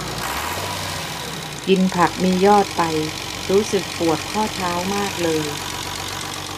กินผักมียอดไปรู้สึกปวดข้อเท้ามากเลย